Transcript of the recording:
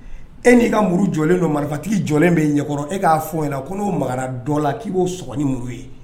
E ni'i ka muru jɔlen don marifatigi jɔlen bɛ i ɲɛkɔrɔ e k'a fɔ o ɲɛna ko n'o maka dɔ la k'i b'o sɔg ni muru ye.